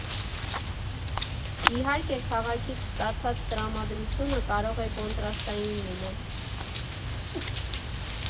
Իհարկե, քաղաքից ստացած տրամադրությունը կարող է կոնտրաստային լինել.